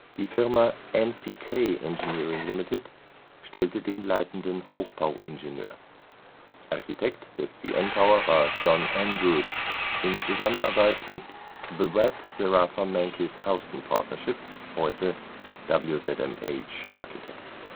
Die Firma NCK Engineering Limited stellte den leitenden Hochbauingenieur. Architekt des CN Tower war John Andrews in Zusammenarbeit mit The Webb, Zerafa, Menkes, Housden Partnership (heute: WZMH Architects